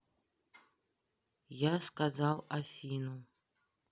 я сказал афину